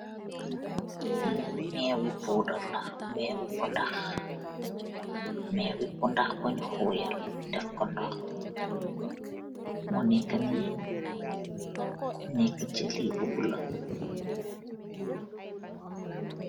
Ayee meewe pudarr la meewe ponah, meewe ponah bun hoyal def ku noh mu neka nee, neka se lee bu bluelo.